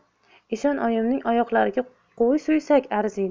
eshonoyimning oyoqlariga qo'y so'ysak arziydi